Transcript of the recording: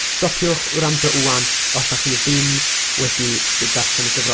Stopiwch wrando 'wan os dach chi ddim wedi d- darllen y gyfrol.